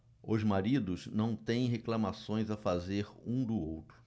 os maridos não têm reclamações a fazer um do outro